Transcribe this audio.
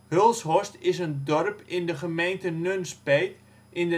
Hulshorst is een dorp in de gemeente Nunspeet, in